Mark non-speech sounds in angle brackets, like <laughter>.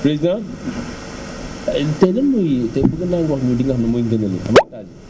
président <noise> tey lan mooy <noise> tey bëggoon naa nga wax ñu li nga xam ne mooy ngëneel yi <noise> avantages yi